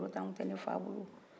ninnu tan tun tɛ ne fa bolo